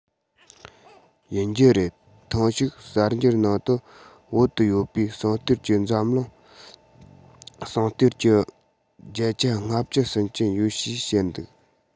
ཡིན གྱི རེད ཐེངས ཤིག གསར འགྱུར ནང དུ བོད དུ ཡོད པའི ཟངས གཏེར གྱིས འཛམ གླིང ཟངས གཏེར གྱི བརྒྱ ཆ ལྔ བཅུ ཟིན གྱི ཡོད ཞེས བཤད འདུག